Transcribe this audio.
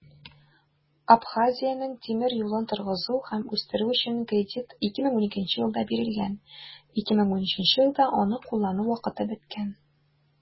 Абхазиянең тимер юлын торгызу һәм үстерү өчен кредит 2012 елда бирелгән, 2013 елда аны куллану вакыты беткән.